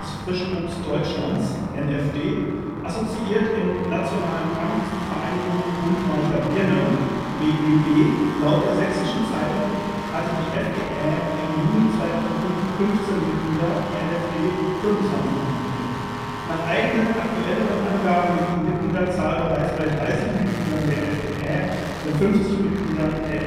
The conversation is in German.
Frischobst Deutschlands “(NFD). Assoziert im „ nationalen Kampf “ist die Vereinigung „ Bund weicher Birnen “(B.W.B.). Laut der Sächsischen Zeitung hatte die F.D.Ä. im Juni 2005 15 Mitglieder, die NFD 25 Mitglieder. Nach eigenen, aktuelleren Angaben liegt die Mitgliederzahl bereits bei 30 Mitgliedern der F.D.Ä. und 50 Mitgliedern der